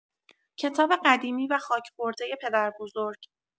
کتاب قدیمی و خاک‌خوردۀ پدربزرگ